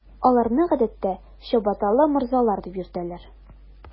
Аларны, гадәттә, “чабаталы морзалар” дип йөртәләр.